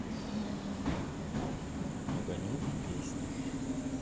огонек песня